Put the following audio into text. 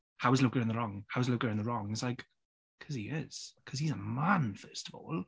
"How is Luca in the wrong? How is Luca in the wrong?" and it's like "Because he is. Because he's a man, first of all".